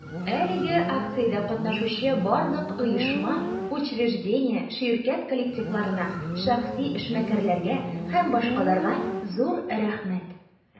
Әлеге акциядә катнашучы барлык оешма, учреждение, ширкәт коллективларына, шәхси эшмәкәрләргә һ.б. зур рәхмәт!